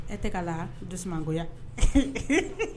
E tɛ k' la dusu tasumago